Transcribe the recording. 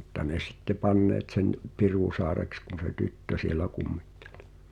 mutta ne sitten panneet sen Pirusaareksi kun se tyttö siellä kummitteli